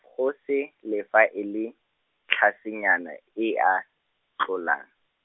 go se, le fa e le, tlhasenyana, e a, tlolang.